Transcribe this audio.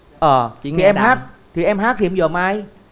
ờ thì em hát thì em hát thì em dòm ai